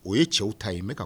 O ye cɛw ta ye bɛ ka